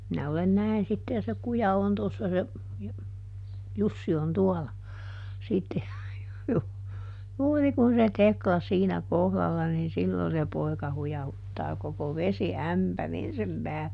minä olen näin sitten ja se kuja on tuossa se ja Jussi on tuolla sitten - juuri kun se Tekla siinä kohdalla niin silloin se poika hujauttaa koko vesiämpärin sen päälle